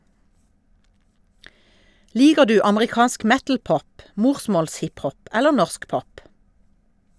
Liker du amerikansk metal-pop, morsmåls-hip-hop eller norsk pop?